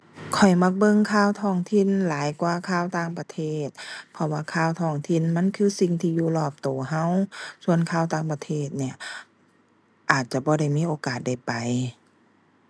ข้อยมักเบิ่งข่าวท้องถิ่นหลายกว่าข่าวต่างประเทศ เพราะว่าข่าวท้องถิ่นมันคือสิ่งที่อยู่รอบตัวตัว ส่วนข่าวต่างประเทศเนี่ย อาจจะบ่ได้มีโอกาสได้ไป